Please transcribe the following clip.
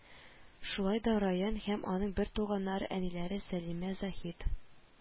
Шулай да Раян һәм аның бертуганнары әниләре Сәлимә Заһит